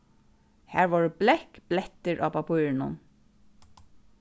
har vóru blekkblettir á pappírinum